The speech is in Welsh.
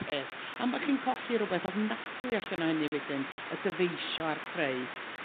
peth. A ma'... chi'n colli r'wbeth ofnadwy allan o hynny wedyn y dyfeisio â'r creu.